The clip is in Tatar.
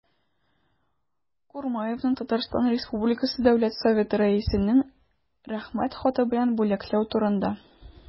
И.Х. Курмаевны Татарстан республикасы дәүләт советы рәисенең рәхмәт хаты белән бүләкләү турында